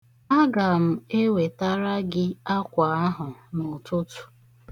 Aga m ewetara gị akwa ahụ n'ụtụtụ.